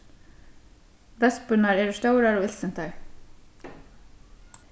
vespurnar eru stórar og illsintar